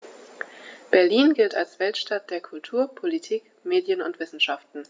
Berlin gilt als Weltstadt der Kultur, Politik, Medien und Wissenschaften.